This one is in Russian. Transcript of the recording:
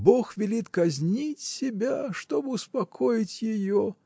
Бог велит казнить себя, чтоб успокоить ее.